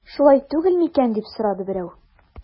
Шулай түгел микән дип сорады берәү.